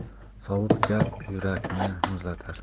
sovuq gap yurakni muzlatar